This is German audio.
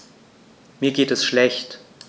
Mir geht es schlecht.